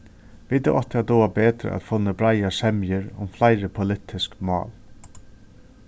vit áttu at dugað betur at funnið breiðar semjur um fleiri politisk mál